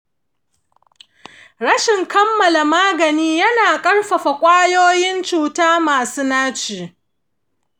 rashin kammala magani yana ƙarfafa ƙwayoyin cuta masu naci.